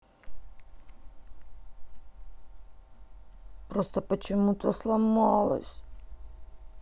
просто почему то сломалось